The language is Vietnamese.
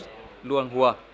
luông ơ ghua